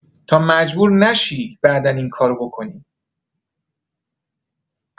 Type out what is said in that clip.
تا مجبور نشی بعدا این کار رو بکنی!